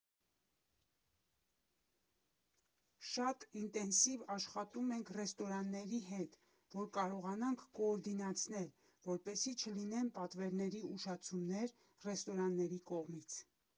Շատ ինտենսսիվ աշխատում ենք ռեստորանների հետ, որ կարողանանք կոորդինացնել, որպեսզի չլինեն պատվերների ուշացումներ ռեստորանների կողմից։